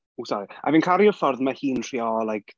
W sori, a fi'n caru'r ffordd mae hi'n trio like...